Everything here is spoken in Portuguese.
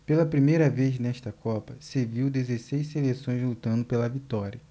pela primeira vez nesta copa se viu dezesseis seleções lutando pela vitória